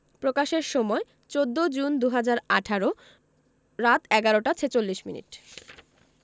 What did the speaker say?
প্রকাশের সময় ১৪ জুন ২০১৮ রাত ১১টা ৪৬ মিনিট